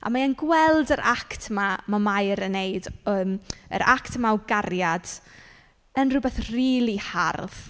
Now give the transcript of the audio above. A mae e'n gweld yr act 'ma ma' Mair yn ei wneud, yym yr act yma o gariad yn rywbeth rili hardd.